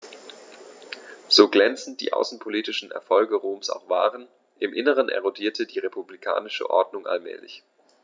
So glänzend die außenpolitischen Erfolge Roms auch waren: Im Inneren erodierte die republikanische Ordnung allmählich.